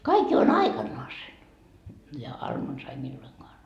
kaikki jo on aikanansa ja armonsa ei milloinkaan